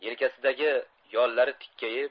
yelkasidagi yollari tikkayib